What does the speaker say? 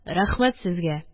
Рәхмәт сезгә